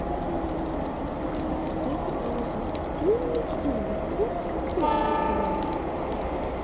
это тоже сильно сильно крепко крепко целую